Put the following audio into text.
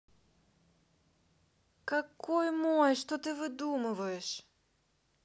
какой мой что ты выдумываешь